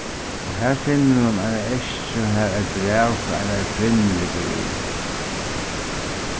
og har finnur hon eina eskju har eitt bræv frá einari kvinnu liggur í